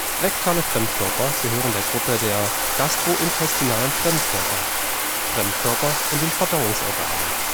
Rektale Fremdkörper gehören zu der Gruppe der gastrointestinalen Fremdkörper (Fremdkörper in den Verdauungsorganen